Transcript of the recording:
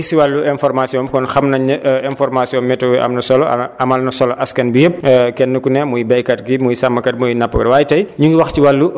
jërëjëf ba léegi si wàllu information bi kon xam nañ ne information météo am na solo amal na solo askan bi yëpp kenn ku ne muy béykat gi muy sàmmkat muy napp